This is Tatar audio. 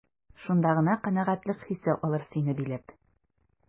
Шунда гына канәгатьлек хисе алыр сине биләп.